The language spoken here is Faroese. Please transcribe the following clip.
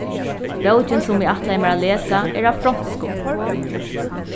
bókin sum eg ætlaði mær at lesa er á fronskum